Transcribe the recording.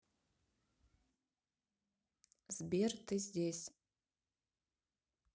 сбер ты здесь